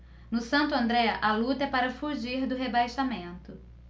no santo andré a luta é para fugir do rebaixamento